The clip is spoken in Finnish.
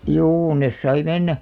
juu ne sai mennä